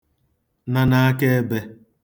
na akaebē